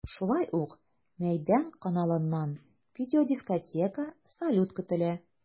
Шулай ук “Мәйдан” каналыннан видеодискотека, салют көтелә.